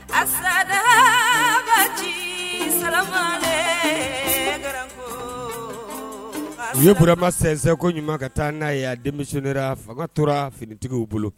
A sirajɛ jigin samasa gko u yeuranma sɛsɛnko ɲuman ka taa n'a ye denmisɛnnin fanga tora finitigiww bolo